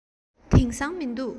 དེང སང མི འདུག